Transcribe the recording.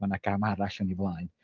ma' 'na gam arall yn ei flaen